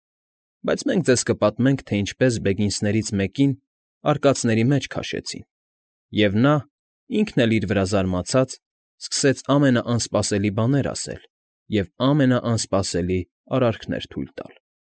Բայց մենք ձեզ կպատմենք, թե ինչպես Բեգինսներից մեկին արկածների մեջ քաշեցին, և նա, ինքն էլ իր վրա զարմացած, սկսեց ամենաանսպասելի բաներ ասել և ամենաանսպասելի արարքներ թույլ տալ։